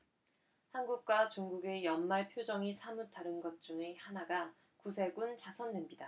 한국과 중국의 연말 표정이 사뭇 다른 것 중의 하나가구세군 자선냄비다